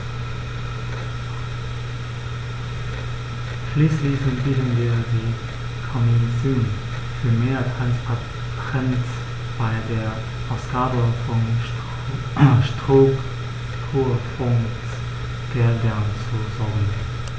Schließlich bitten wir die Kommission, für mehr Transparenz bei der Ausgabe von Strukturfondsgeldern zu sorgen.